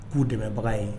K'u dɛmɛbaga ye